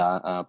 traethoda a